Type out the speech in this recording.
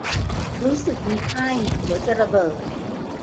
รู้สึกมีไข้หัวจะระเบิด